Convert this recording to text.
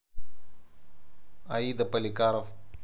аида поликаров